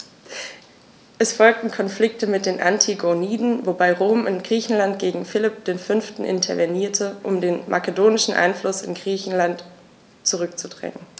Es folgten Konflikte mit den Antigoniden, wobei Rom in Griechenland gegen Philipp V. intervenierte, um den makedonischen Einfluss in Griechenland zurückzudrängen.